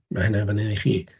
Wel, mae hynny'n fyny i chi.